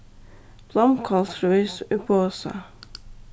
blómkálsrís í posa